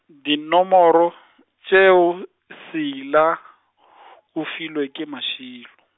dinomoro, tšeo Seila , o filwe ke Mašilo.